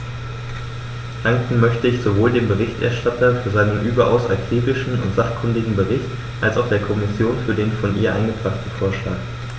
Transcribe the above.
Danken möchte ich sowohl dem Berichterstatter für seinen überaus akribischen und sachkundigen Bericht als auch der Kommission für den von ihr eingebrachten Vorschlag.